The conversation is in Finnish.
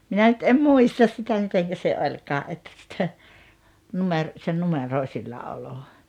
minä nyt en muista sitä miten se olikaan että -- se numeroisilla olo